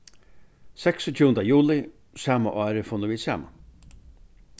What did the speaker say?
seksogtjúgunda juli sama árið funnu vit saman